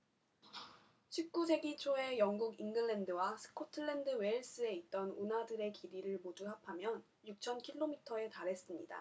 십 구 세기 초에 영국 잉글랜드와 스코틀랜드 웨일스에 있던 운하들의 길이를 모두 합하면 육천 킬로미터에 달했습니다